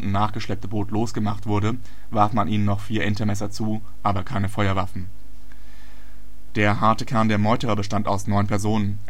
nachgeschleppte Boot losgemacht wurde, warf man ihnen noch vier Entermesser zu, aber keine Feuerwaffen. Der harte Kern der Meuterer bestand aus neun Personen